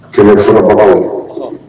Kɛmɛ bɛbagaw ye